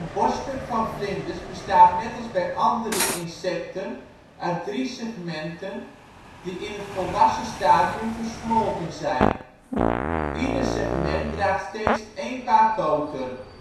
borststuk van vlinders bestaat net als bij andere insecten uit drie segmenten die in het volwassen stadium versmolten zijn. Ieder segment draagt steeds één paar poten